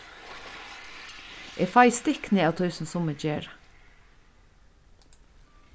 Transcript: eg fái stikni av tí sum summi gera